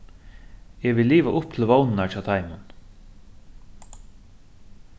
eg vil liva upp til vónirnar hjá teimum